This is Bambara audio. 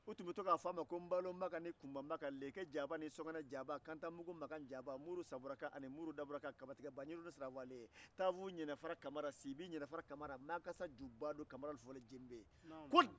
u tun bɛ to k'a fɔ a ma ko npaalo maka ni kunba maka leke jaaba ni sɔkɔnɛ jaaba kantamugu jaaba muuru sawuraka ani muuru dabuka kabatigɛ banjugu ni sira wale tanfuu ɲɛnɛfara kamara sibi ɲɛnɛfara kamara makasa ju baalo kamara jenbe